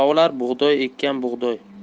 olar bug'doy ekkan bug'doy